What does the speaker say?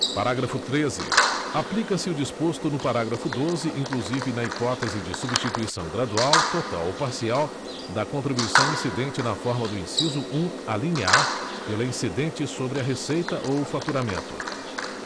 parágrafo treze aplica se o disposto no parágrafo doze inclusive na hipótese de substituição gradual total ou parcial da contribuição incidente na forma do inciso um alínea a pela incidente sobre a receita ou o faturamento